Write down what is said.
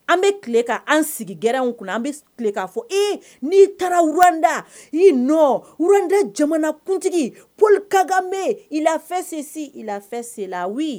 An bɛ ka an sigiɛrɛ an bɛ' fɔ e n'i taara wda i nɔda jamanakuntigi polikakan bɛ yen i la sensin i la senla